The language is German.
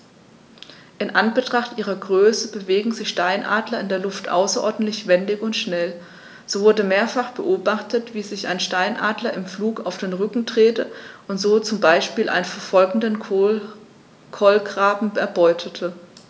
In Anbetracht ihrer Größe bewegen sich Steinadler in der Luft außerordentlich wendig und schnell, so wurde mehrfach beobachtet, wie sich ein Steinadler im Flug auf den Rücken drehte und so zum Beispiel einen verfolgenden Kolkraben erbeutete.